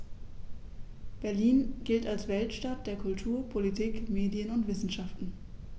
Berlin gilt als Weltstadt der Kultur, Politik, Medien und Wissenschaften.